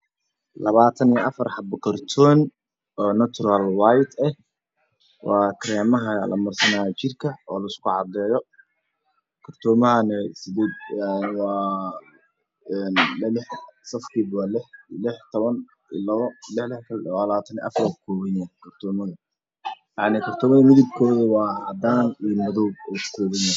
Labaatan iyo afar xabo kartoon oo najuraal wad ah waa kareemaha lamardado jirka oo la isku cadaayo. Kartoomada midabkiisu waa cadaan iyo madow.